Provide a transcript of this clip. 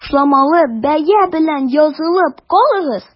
Ташламалы бәя белән язылып калыгыз!